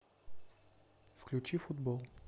включи футбол